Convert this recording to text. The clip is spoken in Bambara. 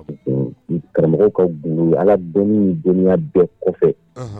Karamɔgɔ ka gugula don dɔnniya bɛɛ kɔfɛ